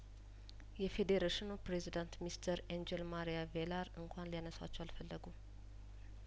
የፌዴሬሽኑ ፕሬዚዳንት ሚስተር ኢንጅል ማሪያቬላር እንኳን ሊያነሷቸው አልፈለጉም